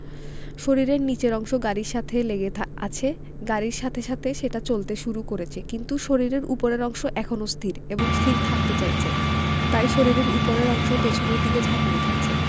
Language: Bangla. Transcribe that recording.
শরীরের নিচের অংশ গাড়ির সাথে লেগে আছে গাড়ির সাথে সাথে সেটা চলতে শুরু করেছে কিন্তু শরীরের ওপরের অংশ এখনো স্থির এবং স্থির থাকতে চাইছে তাই শরীরের ওপরের অংশ পেছনের দিকে ঝাঁকুনি খাচ্ছে